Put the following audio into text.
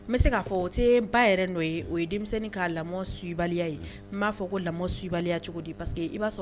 N bɛ se ka fɔ , o te ba yɛrɛ nɔn ye o ye denmisɛnnin ka lamɔ suis baliya ye. N ba fɔ ko lamɔ suis baliya cogo di? parceque i ba sɔrɔ